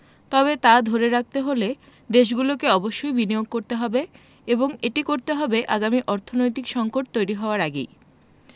তবে তা ধরে রাখতে হলে দেশগুলোকে অবশ্যই বিনিয়োগ করতে হবে এবং এটি করতে হবে আগামী অর্থনৈতিক সংকট তৈরি হওয়ার আগেই